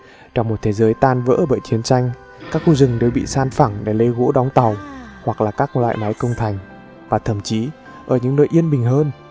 trong một thế giới tan vỡ bởi chiến tranh các khu rừng đều bị san phẳng để lấy gỗ đóng tàu và các loại máy công thành và thậm chí ở những nơi yên bình hơn